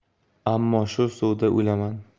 ammo shu suvda o'laman